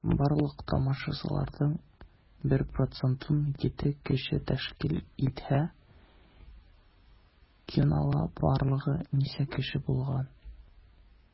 Барлык тамашачыларның 1 процентын 7 кеше тәшкил итсә, кинода барлыгы ничә кеше булган?